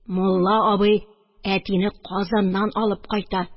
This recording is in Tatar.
Мулла абый әтине Казаннан алып кайта.